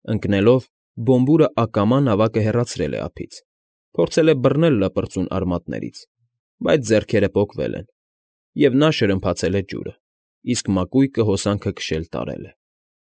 Ընկնելով՝ Բոմբուրը ակամա նավակը հեռացրել է ափից, փորձել է բռնել լպրծուն արմատներից, բայց ձեռքերը պոկվել են և նա շրմփացել է ջուրը, իսկ մակույկը հոսանքը քշել տարել է։